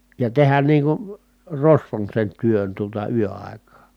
ja tehdä niin kuin rosvon sen työn tuota yöaikaa